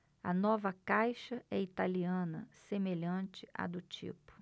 a nova caixa é italiana semelhante à do tipo